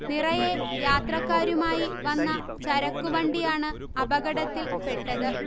നിറയെ യാത്രക്കാരുമായി വന്ന ചരക്കുവണ്ടിയാണ് അപകടത്തില് പെട്ടത്